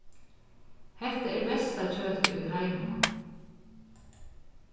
hetta er besta kjøtið í heiminum